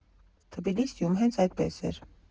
Թբիլիսիում հենց այդպես էր։